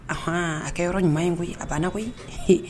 Aɔnan a kɛ yɔrɔ ɲuman in koyi a banna koyi